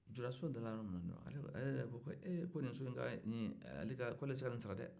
a jɔra so da la yɔrɔ min a ko so in ka ɲi ale tɛ se ka nin sara de